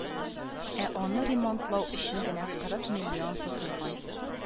Ә аны ремонтлау өчен генә кырык миллион тотылган